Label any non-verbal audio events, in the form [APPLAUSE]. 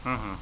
[HESITATION] [HESITATION]